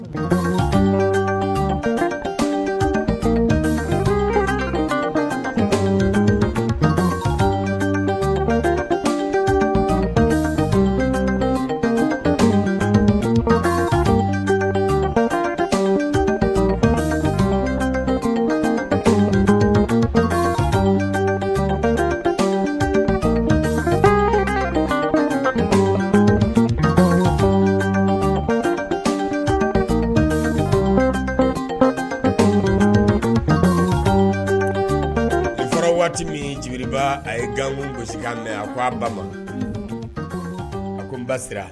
A sɔrɔ waati min jeliba a ye gakun gosisi mɛn a ko a ba a ko n basira